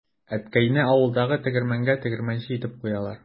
Әткәйне авылдагы тегермәнгә тегермәнче итеп куялар.